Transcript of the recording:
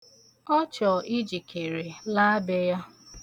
Ọ chọ ijikere laa be ya.